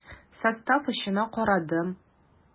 Состав очына карадым.